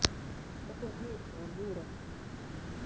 это весело дура